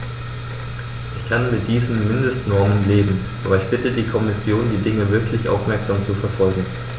Ich kann mit diesen Mindestnormen leben, aber ich bitte die Kommission, die Dinge wirklich aufmerksam zu verfolgen.